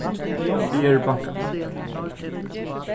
eg eri bankafólk